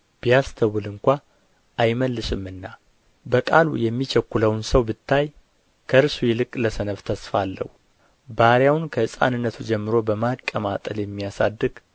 ቢያስተውል እንኳ አይመልስምና በቃሉ የሚቸኵለውን ሰው ብታይ ከእርሱ ይልቅ ለሰነፍ ተስፋ አለው ባሪያውን ከሕፃንነቱ ጀምሮ በማቀማጠል የሚያሳድግ